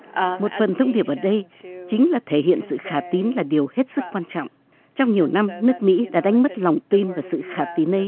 một phần thông điệp ở đây chính là thể hiện sự khả tín là điều hết sức quan trọng trong nhiều năm nước mỹ đã đánh mất lòng tin và sự khả tín ấy